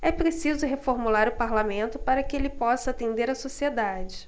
é preciso reformular o parlamento para que ele possa atender a sociedade